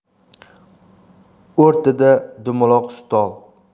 o'rtada dumaloq stol